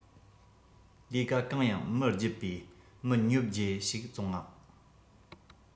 ལས ཀ གང ཡང མི སྒྱིད པའི མི ཉོབ སྒྱེ ཞིག ཙང ངང